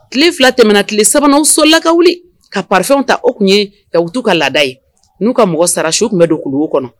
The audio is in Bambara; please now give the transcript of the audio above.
Tile 2 tɛmɛna, tile3 nan , u sɔlila lka wuli ka pafɛnw ta o tun ye Ywuu ka laada ye , n'u ka mɔgɔ sara su tun bɛ don kulu wo kɔnɔ